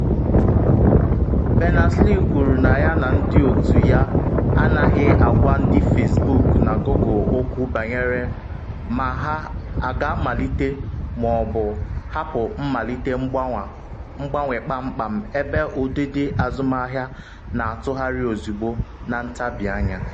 Berners-Lee kwuru na ya ndị otu ya anaghị agwa ndị “Facebook na Google okwu banyere ma ha a ga-amalite ma ọ bụ hapụ mmalite mgbanwe kpamkpam ebe ụdịdị azụmahịa na-atụgharị ozugbo na ntabi anya.